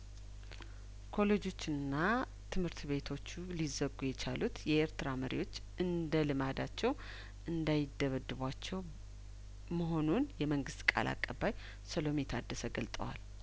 ኮሌጆቹና ትምህርት ቤቶቹ ሊዘጉ የቻሉት የኤርትራ መሪዎች እንደልማዳቸው እንዳይደበድቧቸው መሆኑን የመንግስት ቃል አቀባይ ሰሎሜ ታደሰ ገልጠዋል